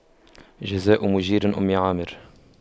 جزاء مُجيرِ أُمِّ عامِرٍ